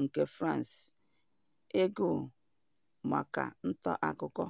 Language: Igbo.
nke France ịgụ maka nta akụkọ.